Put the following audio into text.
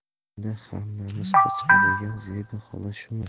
ko'rganda hammamiz qochadigan zebi xola shumi